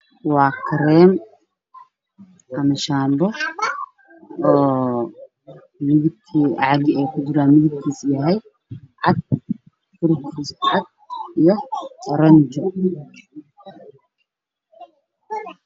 Waa kareem ama shaambo caagay kujiraan waa cadaan iyo oranji.